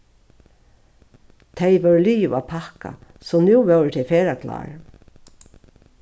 tey vóru liðug at pakka so nú vóru tey ferðaklár